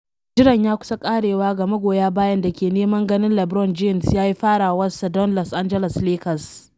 Jiran ya kusan karewa ga magoya bayan da ke neman ganin LeBron James ya yi farawarsa don Los Angeles Lakers.